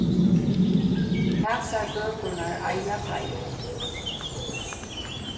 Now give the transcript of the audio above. hasar bøkurnar eiga teir